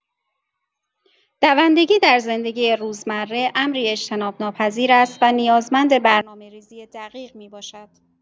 دوندگی در زندگی روزمره امری اجتناب‌ناپذیر است و نیازمند برنامه‌ریزی دقیق می‌باشد.